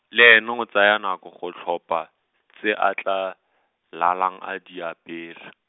le ene a tsaya nako go tlhopha, tse a tla, lalang a di apere.